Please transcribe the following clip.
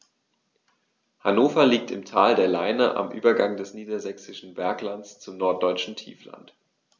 Hannover liegt im Tal der Leine am Übergang des Niedersächsischen Berglands zum Norddeutschen Tiefland.